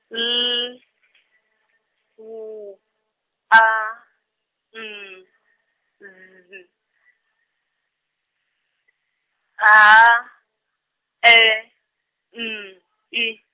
L W A N Z, H E N I.